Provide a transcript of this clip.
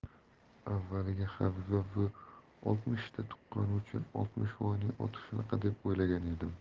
avvaliga habiba buvi oltmishta tuqqani uchun oltmishvoyning oti shunaqa deb o'ylagan edim